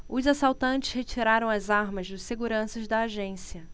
os assaltantes retiraram as armas dos seguranças da agência